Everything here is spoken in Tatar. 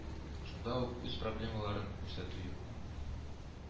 Шунда ук үз проблемаларын күрсәтү юк